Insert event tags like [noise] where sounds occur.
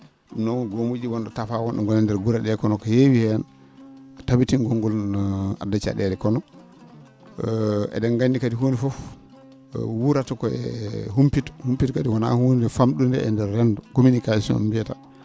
?um noon goomuuju ?ii won ?o tafaa won ?o ngoni e ndeer gure ?ee ko no ko heewi heen tabitingol ngol no adda ca?eele kono [hesitation] e?en nganndi kadi huunde fof wurata ko e humpito humpito kadi wonaa huunde fam?unde e ndeer renndo communication ?e mbiyata